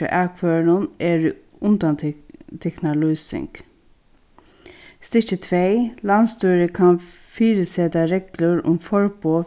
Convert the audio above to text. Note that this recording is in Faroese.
hjá akførunum eru tiknar lýsing stykki tvey landsstýrið kann fyriseta reglur um forboð